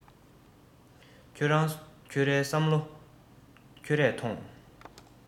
ཁྱོད རང ཁྱོད རའི བསམ བློ ཁྱོད རས ཐོངས